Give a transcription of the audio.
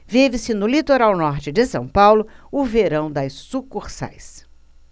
vive-se no litoral norte de são paulo o verão das sucursais